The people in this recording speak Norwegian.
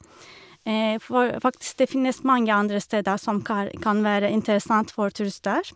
For faktisk det finnes mange andre steder som kar kan være interessant for turister.